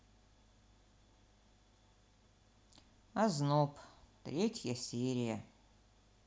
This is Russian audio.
озноб третья серия